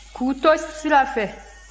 k'u to sira fɛ